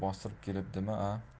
bostirib kelibdimi a